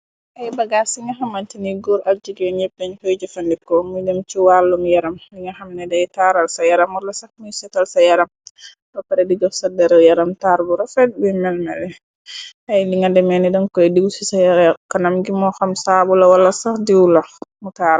Ay bagaas ci nga xaman ci ni góor ak jige ñjeppnañ xoy jëfandikoo muy dem ci wàllum yaram linga xamne day taaral sa yaramor la sax miy sital sa yaram roppare digox sa dari yaram taar bu rofet buy melmele ay li nga demee ni dan koy digu ci sa kanam ngimoo xam saabu la wala sax diwu la mu taara.